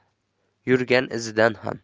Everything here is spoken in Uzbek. qolma yurgan izidan ham